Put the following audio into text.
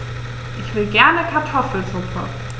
Ich will gerne Kartoffelsuppe.